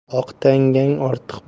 oq tangang ortiq